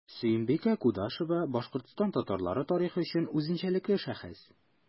Сөембикә Кудашева – Башкортстан татарлары тарихы өчен үзенчәлекле шәхес.